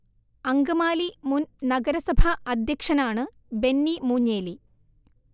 അങ്കമാലി മുൻ നഗരസഭാ അധ്യക്ഷനാണ് ബെന്നി മൂഞ്ഞേലി